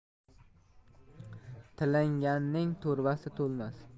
tilanganning to'rvasi to'lmas